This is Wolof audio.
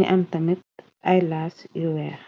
nga am tamit ay laas yu weex